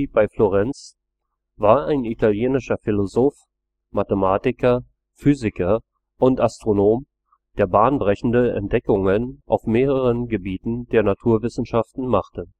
bei Florenz) war ein italienischer Philosoph, Mathematiker, Physiker und Astronom, der bahnbrechende Entdeckungen auf mehreren Gebieten der Naturwissenschaften machte